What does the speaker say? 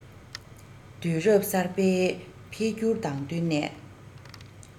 དུས རབ གསར པའི འཕེལ འགྱུར དང བསྟུན ནས